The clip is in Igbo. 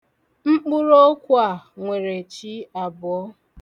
Mkpụrụokwu a nwere 'ch' abụo.